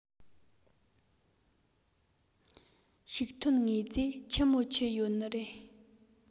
ཕྱུགས ཐོན དངོས རྫས ཆི མོ ཆི ཡོད ནི རེད